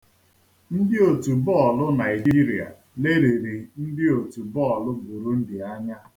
Ndị otu bọọlụ Naịjirịa lelịrị ndị otu bọọlụ Burundi anya.